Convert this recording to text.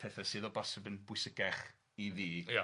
petha sydd o bosib yn bwysicach i fi... Ia...